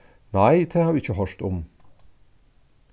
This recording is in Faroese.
nei tað havi eg ikki hoyrt um